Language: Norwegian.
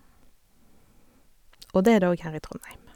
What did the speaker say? Og det er det òg her i Trondheim.